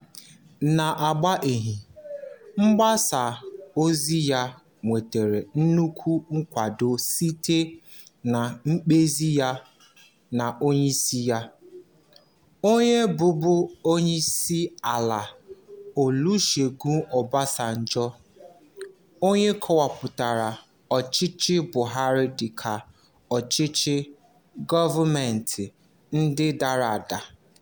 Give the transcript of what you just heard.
Na-agbanyeghị, mgbasa ozi ya nwetere nnukwu nkwago site na mkpezi ya na onyeisi ya, onye bụbu Onyeisi Ala Olusegun Obasanjo — onye kọwapụtara ọchịchị Buhari dịka ọchịchị gọọmentị nke dara ada.